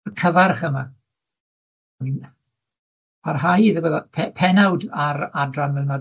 y cyfarch yma, wi'n parhau iddo fe dd- pe- pennawd ar adran mewn